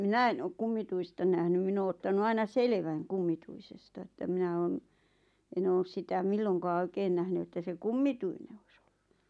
minä en ole kummituista nähnyt minä ole ottanut aina selvän kummituisesta että minä olen en ole sitä milloinkaan oikein nähnyt että se kummituinen olisi ollut